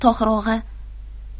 tohir og'a